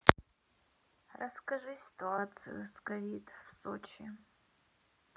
расскажи ситуацию с ковид в сочи